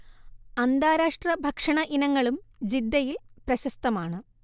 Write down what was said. അന്താരാഷ്ട്ര ഭക്ഷണ ഇനങ്ങളും ജിദ്ദയിൽ പ്രശസ്തമാണ്